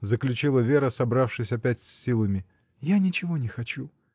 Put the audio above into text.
— заключила Вера, собравшись опять с силами. — Я ничего не хочу!